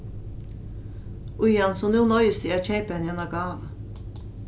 íðan so nú noyðist eg at keypa henni eina gávu